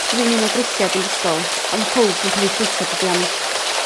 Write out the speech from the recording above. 'chos bo fi'n un o drilliad yn 'r ysgol... On' ma' powb yn ca'l 'u sbeitio tydi am